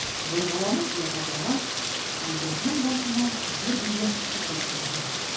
Боргаланып ята торгач, Альбертның башына бер дигән фикер килде.